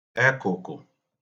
ẹkụkụ